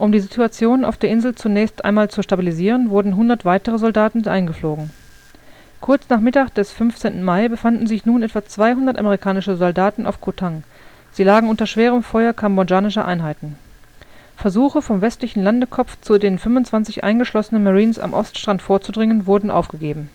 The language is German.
die Situation auf der Insel zunächst einmal zu stabilisieren, wurden 100 weitere Soldaten eingeflogen. Kurz nach Mittag des 15. Mai befanden sich nun etwa 200 amerikanische Soldaten auf Koh Tang, sie lagen unter schwerem Feuer kambodschanischer Einheiten. Versuche, vom westlichen Landekopf zu den 25 eingeschlossenen Marines am Oststrand vorzudringen, wurden aufgegeben